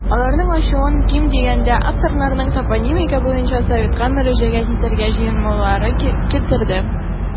Аларның ачуын, ким дигәндә, авторларның топонимика буенча советка мөрәҗәгать итәргә җыенмаулары китерде.